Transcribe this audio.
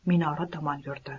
minora tomon yurdi